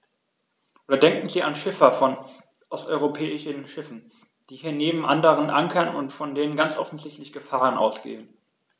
Oder denken Sie an Schiffer von osteuropäischen Schiffen, die hier neben anderen ankern und von denen ganz offensichtlich Gefahren ausgehen.